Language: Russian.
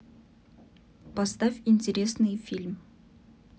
поставь интересный фильм